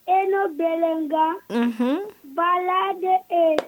Eno Belenga unhun Balade ee